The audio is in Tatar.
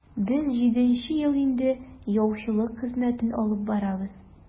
Без җиденче ел инде яучылык хезмәтен алып барабыз.